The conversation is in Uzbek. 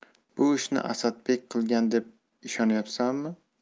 bu ishni asadbek qilgan deb ishonyapsanmi